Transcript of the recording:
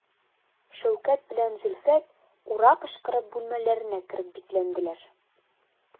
Шәүкәт белән Зөлфәт «ура» кычкырып бүлмәләренә кереп бикләнделәр.